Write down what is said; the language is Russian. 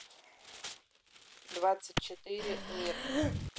двадцать четыре мир